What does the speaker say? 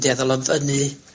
dueddol o ddynnu